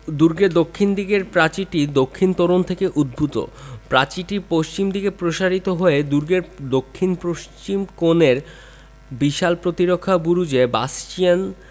দুর্গের দক্ষিণ দিকের প্রাচীরটি দক্ষিণ তোরণ থেকে উদ্ভূত প্রাচীরটি পশ্চিম দিকে প্রসারিত হয়ে দুর্গের দক্ষিণ পশ্চিম কোণের বিশাল প্রতিরক্ষা বুরুজে বাসচিয়ান